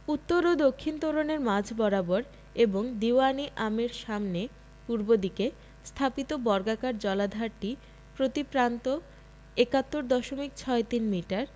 উত্তর ও দক্ষিণ তোরণের মাঝ বরাবর এবং দীউয়ান ই আমের সামনে পূর্ব দিকে স্থাপিত বর্গাকার জলাধারটি প্রতি প্রান্ত ৭১ দশমিক ছয় তিন মিটার